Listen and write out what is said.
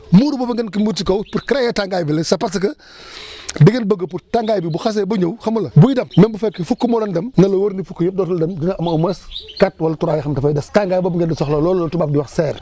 muur boobu ngeen koy muur ci kaw pour créer tàngaay bi la c' est parce que da ngeen bëgg pour tàngaay bi bu xasee ba ñëw xam nga lu ma wax buy dem même bu fekkee fukk moo doon dem na la wóor ne fukk yëpp dootul dem dina am au moins quatre wala trois :ra yoo xam dafay destàngaay boobu ngeen di soxla loolu la tubaab di wax serre